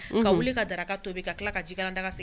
Ka wuli ka daraka to bɛ ka tila ka ji garan da sigi